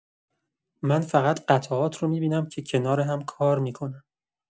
من فقط قطعات رو می‌بینم که کنار هم کار می‌کنن.